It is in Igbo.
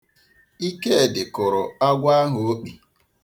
Ikedi kụrụ agwọ ahụ okpi.